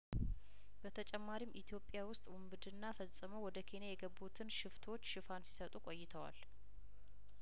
በተጨማሪም ኢትዮጵያ ውስጥ ውንብድና ፈጽመው ወደ ኬንያ የገቡትን ሽፍቶች ሽፋን ሲሰጡ ቆይተዋል